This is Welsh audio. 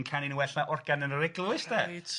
yn canu'n well na organ yn yr eglwys de... Reit so